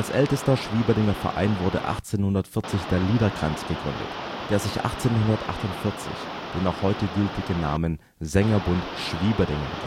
ältester Schwieberdinger Verein wurde 1840 der Liederkranz gegründet, der sich 1848 den noch heute gültigen Namen Sängerbund Schwieberdingen